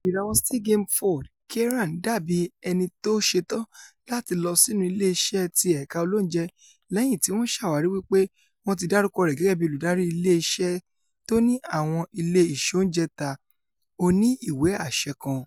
Ìràwọ Still Game Ford Kieran dábì ẹnitó ṣetán láti lọ sínú ilé iṣẹ́ ti ẹka olóúnjẹ lẹ́yìn tíwọ́n ṣàwárí wí pé wọ́n ti dárúkọ rẹ̀ gẹ́gẹ́bí olùdarí ile iṣẹ́ tóní àwọn ile ìsoúnjẹta oníìwé-àṣẹ kan.